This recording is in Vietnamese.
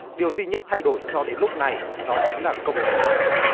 điều duy nhất thay đổi cho đến lúc này đó chính là công nghệ